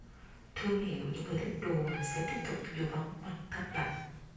thương hiệu những người thích đùa sẽ tiếp tục dù vắng mặt thanh bạch